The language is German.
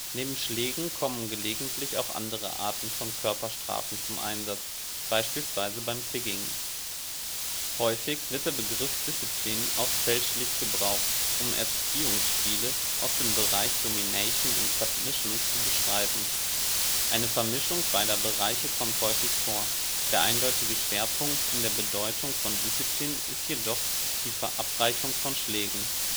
Neben Schlägen kommen gelegentlich auch andere Arten von Körperstrafen zum Einsatz, beispielsweise beim Figging. Häufig wird der Begriff Discipline auch fälschlich gebraucht, um Erziehungsspiele aus dem Bereich Domination and Submission zu beschreiben. Eine Vermischung beider Bereiche kommt häufig vor, der eindeutige Schwerpunkt in der Bedeutung von Discipline ist jedoch die Verabreichung von Schlägen